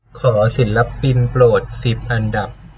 ขอศิลปินโปรดสิบอันดับ